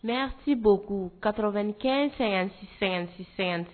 Mɛ si bbo'u katooro bɛ kɛ sɛgɛnsɛsɛ